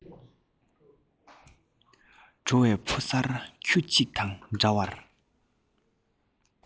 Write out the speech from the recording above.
འགྲོ བའི ཕོ གསར ཁྱུ གཅིག དང འདྲ བར